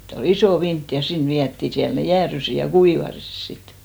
sitten oli iso vintti ja sinne vietiin siellä ne jäätyivät ja kuivuivat sitten